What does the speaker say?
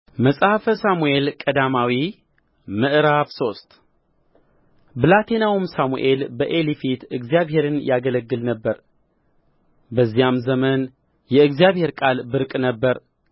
መጽሐፈ ሳሙኤል ቀዳማዊ ምዕራፍ ሶስት ብላቴናውም ሳሙኤል በዔሊ ፊት እግዚአብሔርን ያገለግል ነበር በዚያም ዘመን የእግዚአብሔር ቃል ብርቅ ነበረ